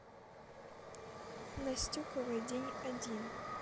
настюкова день один